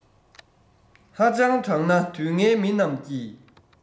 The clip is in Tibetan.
ཧ ཅང དྲང ན དུས ངན མི རྣམས ཀྱིས